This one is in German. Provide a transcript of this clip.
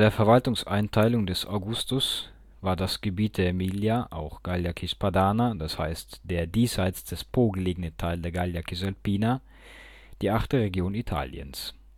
Verwaltungseinteilung des Augustus war das Gebiet der Aemilia (auch Gallia cispadana, d. h. der diesseits des Po gelegene Teil der Gallia cisalpina) die achte Region Italiens